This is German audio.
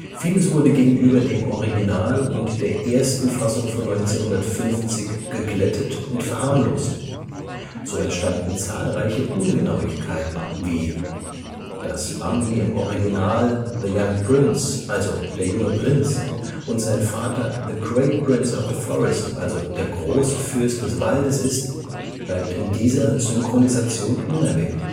Vieles wurde gegenüber dem Original und der ersten Fassung von 1950 geglättet und verharmlost. So entstanden zahlreiche Ungenauigkeiten: Dass Bambi im Original „ the young prince “(der junge Prinz) und sein Vater „ the great prince of the forest “(der große Fürst des Waldes) ist, bleibt in dieser Synchronisation unerwähnt